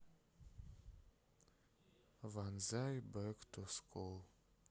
ванзай бэк ту скул